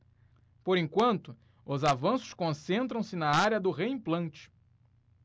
por enquanto os avanços concentram-se na área do reimplante